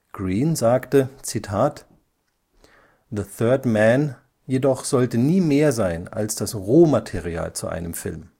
Greene: „‚ The Third Man ‘jedoch sollte nie mehr sein als das Rohmaterial zu einem Film